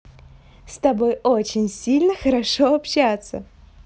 с тобой очень тоже сильно хорошо общаться